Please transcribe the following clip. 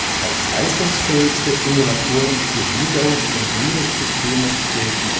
Als leistungsfähigste Emulatoren für Windows und Linux-Systeme gelten